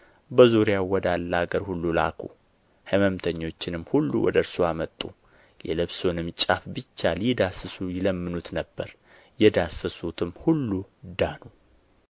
በዙርያው ወዳለ አገር ሁሉ ላኩ ሕመምተኞችንም ሁሉ ወደ እርሱ አመጡ የልብሱንም ጫፍ ብቻ ሊዳስሱ ይለምኑት ነበር የዳሰሱትም ሁሉ ዳኑ